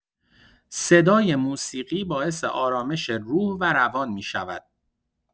صدای موسیقی باعث آرامش روح و روان می‌شود.